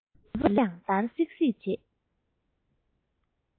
ཁྲོས ནས ལུས པོ ཡང འདར སིག སིག བྱེད